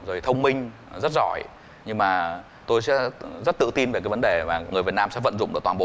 thông minh rất giỏi nhưng mà tôi sẽ rất tự tin về cái vấn đề là người việt nam sẽ vận dụng được toàn bộ